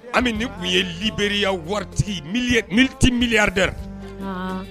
An u ye libereya waritigi tɛ miya dɛra